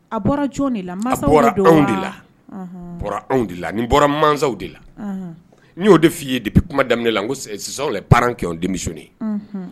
A bɔra jɔn de la, mansaw de don wa, anhaa, a bɔra anw de la, nin bɔra anw de la ni bɔra mansaw de la nn y'o de f'i ye depuis kuma daminɛ ce sont les parents qui ont demissionnés unhun.